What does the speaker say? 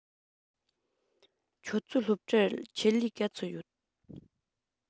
ཁྱོད ཚོའི སློབ གྲྭར ཆེད ལས ག ཚོད ཡོད